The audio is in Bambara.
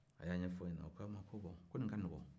a y'a ɲɛfɔ o ɲɛna o ko ma ko bon ko nin ka nɔgɔ